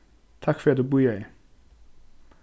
takk fyri at tú bíðaði